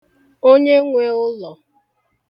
onyenwē ụlọ̀